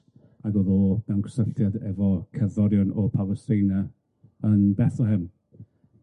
###ag o'dd o mewn cysylltiad efo cerddorion o Palestina yn Bethlehem.